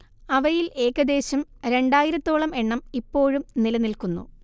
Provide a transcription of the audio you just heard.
അവയിൽ ഏകദ്ദേശം രണ്ടായിരത്തോളം എണ്ണം ഇപ്പോഴും നിലനിൽക്കുന്നു